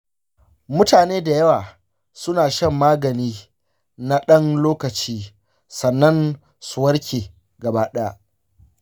mutane da yawa suna shan magani na ɗan lokaci sannan su warke gaba ɗaya.